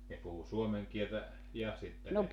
no puhui suomen kieltä ja sitten ne